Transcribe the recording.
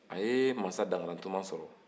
a ye masa dankalatuma sɔrɔ